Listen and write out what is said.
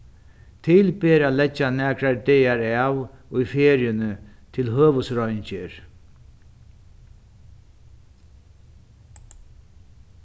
til ber at leggja nakrar dagar av í feriuni til høvuðsreingerð